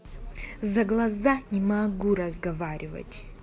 zaglaza не могу разговаривать